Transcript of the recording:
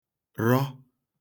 rọ